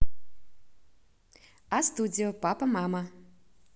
а'studio папа мама